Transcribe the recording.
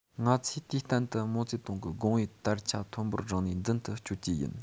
ང ཚོས དུས གཏན དུ མའོ ཙེ ཏུང གི དགོངས པའི དར ཆ མཐོན པོར བསྒྲེངས ནས མདུན དུ སྐྱོད ཀྱི ཡིན